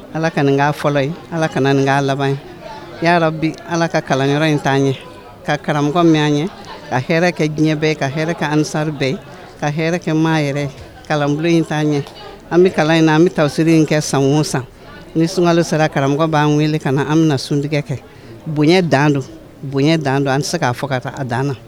Ala ka nin k'a fɔlɔ ye ala kana nin k'a laban ya'a bi ala ka kalanyɔrɔ in' an ye ka karamɔgɔ min anan ye ka hɛrɛɛ kɛ diɲɛ bɛɛ ka hɛrɛ kɛ ansari bɛɛ ka hɛrɛɛ kɛ maa yɛrɛ kalanbolo in'an ɲɛ an bɛ kalan in na an bɛ taa siri in kɛ san san ni sunka sera karamɔgɔ b'an wele ka na an bɛ na sun tigɛgɛ kɛ bonya dan don bonya dan don an tɛ se k'a fɔ ka taa a dan an na